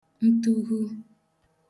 ntuhu